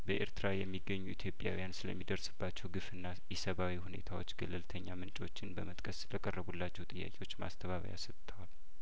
በኤርትራ የሚገኙ ኢትዮጵያውያን ስለሚ ደርስባቸው ግፍና ኢሰብአዊ ሁኔታዎች ገለልተኛ ምንጮችን በመጥቀስ ለቀረቡላቸው ጥያቄዎች ማስተባበያ ሰተዋል